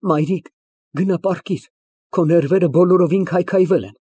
Մայրիկ գնա, պառկիր, քո ներվերը բոլորովին քայքայվել են։